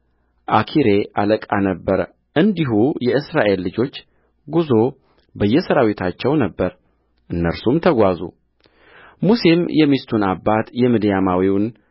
አኪሬ አለቃ ነበረእንዲሁ የእስራኤል ልጆች ጕዞ በየሠራዊታቸው ነበረ እነርሱም ተጓዙሙሴም የሚስቱን አባት የምድያማዊውን